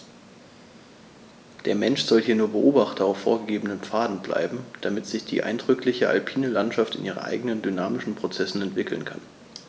Der Mensch soll hier nur Beobachter auf vorgegebenen Pfaden bleiben, damit sich die eindrückliche alpine Landschaft in ihren eigenen dynamischen Prozessen entwickeln kann.